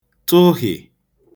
tụhị̀